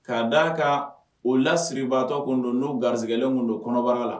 K'a d' a kan o lasiribaatɔ kun don n'o garijɛgɛlen kun don kɔnɔbara la